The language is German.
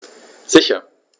Sicher.